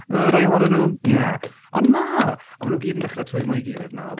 Yy rai ohonyn nhw ie. Ond na! A maen nhw gyd yn dechrau twymo i'w gilydd nawr.